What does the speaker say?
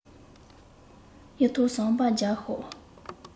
གཡུ ཐོག ཟམ པ བརྒྱབ ཤོག